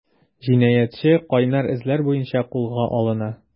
Җинаятьче “кайнар эзләр” буенча кулга алына.